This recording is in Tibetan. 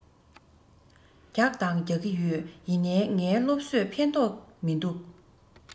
རྒྱག དང རྒྱག གི ཡོད ཡིན ནའི ངའི སློབ གསོས ཕན ཐོགས མིན འདུག